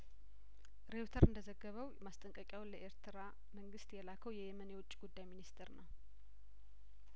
ሬውተር እንደዘገበው ማስጠንቀቅያውን ለኤርትራ መንግስት የላከው የየመን የውጭ ጉዳይ ሚኒስቴር ነው